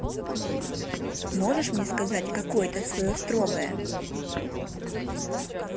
можешь мне сказать какое то свое строгое